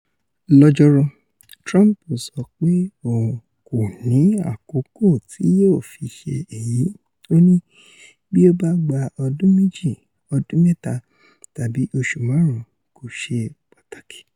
Lọ́jọ́ Rú, Trump sọ pé òun kò ní àkókò tí yóò fi ṣe èyí, ó ní "Bí ó bá gba ọdún méjì, ọdún mẹ́ta tàbí oṣù márùn-ún - kò ṣe pàtàkì".